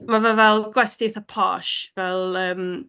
Mae' fe fel gwesty eitha posh. Fel, yym